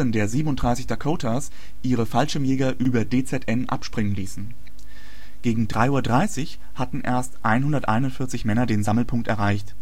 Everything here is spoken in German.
der 37 Dakotas ihre Fallschirmjäger über DZ-N abspringen ließen. Gegen 3:30 Uhr hatten erst 141 Männer den Sammelpunkt erreicht